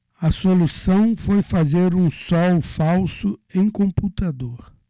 a solução foi fazer um sol falso em computador